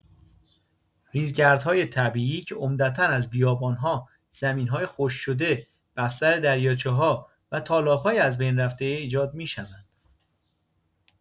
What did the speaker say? ریزگردهای طبیعی که عمدتا از بیابان‌ها، زمین‌های خشک‌شده، بستر دریاچه‌ها و تالاب‌های از بین رفته ایجاد می‌شوند.